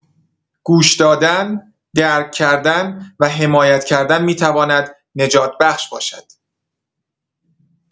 گوش‌دادن، درک‌کردن و حمایت کردن می‌تواند نجات‌بخش باشد.